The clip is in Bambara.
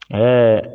Ɛɛ